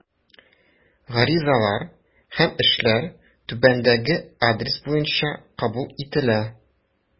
Гаризалар һәм эшләр түбәндәге адрес буенча кабул ителә.